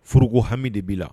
Furuko hami de b'i la